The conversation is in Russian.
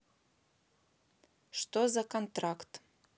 что за контракт